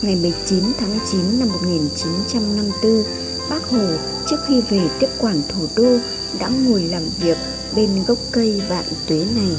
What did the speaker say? ngày tháng năm bác hồ trước khi về tiếp quản thủ đô đã ngồi làm việc bên gốc cây vạn tuế này